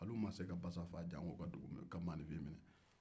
hali u ma se ka basa faga sanko ka dugu ka mɔgɔninfin minɛ